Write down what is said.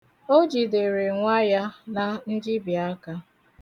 O jidere nwa ya na njibiaka.